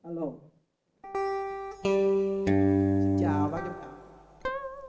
a lô xin chào